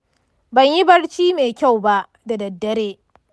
banyi barci mai kyau ba da daddare